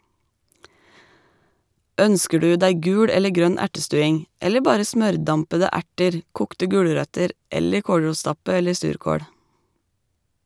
Ønsker du deg gul eller grønn ertestuing - eller bare smørdampede erter, kokte gulrøtter eller kålrotstappe eller surkål?